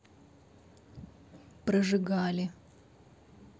прожигали